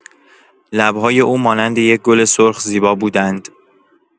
لب‌های او مانند یک گل سرخ زیبا بودند.